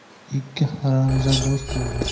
ikki haramza do'st bo'lmas